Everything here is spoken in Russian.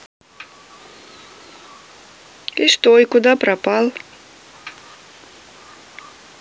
и что и куда пропал